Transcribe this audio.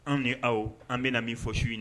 Anw ni aw an bɛna na min fɔ su in